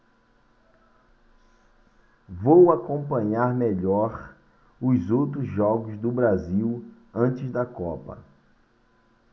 vou acompanhar melhor os outros jogos do brasil antes da copa